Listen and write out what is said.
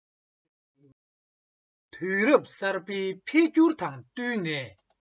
དུས རབ གསར པའི འཕེལ འགྱུར དང བསྟུན ནས